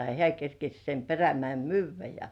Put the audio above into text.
ja hän kerkesi sen Perämäen myydä ja